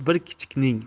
kir bir kichikning